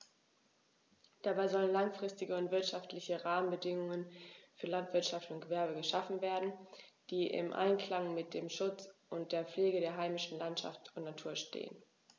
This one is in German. Dabei sollen langfristige und wirtschaftliche Rahmenbedingungen für Landwirtschaft und Gewerbe geschaffen werden, die im Einklang mit dem Schutz und der Pflege der heimischen Landschaft und Natur stehen.